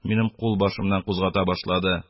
Минем кулбашымнан кузгата башлады